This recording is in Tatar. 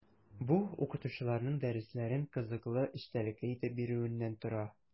Бу – укытучыларның дәресләрен кызыклы, эчтәлекле итеп бирүеннән тора.